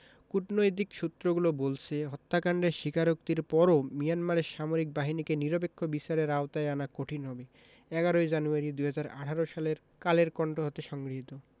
কূটনৈতিক সূত্রগুলো বলছে হত্যাকাণ্ডের স্বীকারোক্তির পরও মিয়ানমারের সামরিক বাহিনীকে নিরপেক্ষ বিচারের আওতায় আনা কঠিন হবে ১১ই জানুয়ারি ২০১৮ সালের কালের কন্ঠ হতে সংগৃহীত